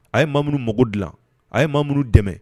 A ye maa munun mako gilan , a ye maa munun dɛmɛ.